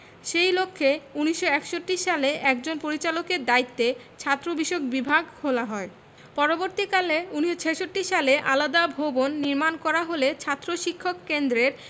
সেই লক্ষ্যে ১৯৬১ সালে একজন পরিচালকের দায়িত্বে ছাত্রবিষয়ক বিভাগ খোলা হয় পরবর্তীকালে ১৯৬৬ সালে আলাদা ভবন নির্মাণ করা হলে ছাত্র শিক্ষক কেন্দ্রের